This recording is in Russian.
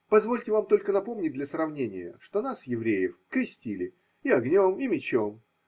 Позвольте вам только напомнить для сравнения, что нас, евреев, крестили и огнем, и мечом